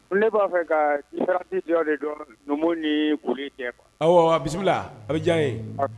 Ne b'a fɛ ka jɔyɔrɔ de dɔn numu ni boli cɛ bisimila la a bɛ diya ye